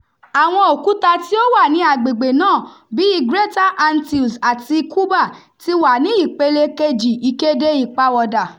Àwọn òkúta tí ó wà ní agbègbè náà, bíi Greater Antilles àti Cuba, ti wà ní Ìpele Kejì Ìkéde Ìpàwọ̀dà: